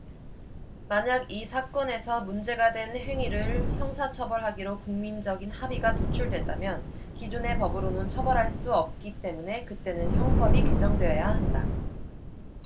만약 이 사건에서 문제가 된 행위를 형사 처벌하기로 국민적인 합의가 도출된다면 기존의 법으로는 처벌할 수 없기 때문에 그때는 형법이 개정돼야 한다